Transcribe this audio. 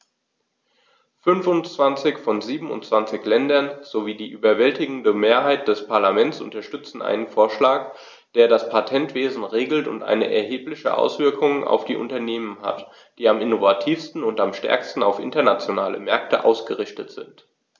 Fünfundzwanzig von 27 Ländern sowie die überwältigende Mehrheit des Parlaments unterstützen einen Vorschlag, der das Patentwesen regelt und eine erhebliche Auswirkung auf die Unternehmen hat, die am innovativsten und am stärksten auf internationale Märkte ausgerichtet sind.